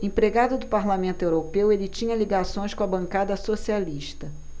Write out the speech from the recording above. empregado do parlamento europeu ele tinha ligações com a bancada socialista